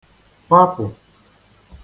papụ̀